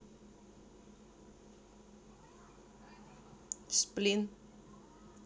сплин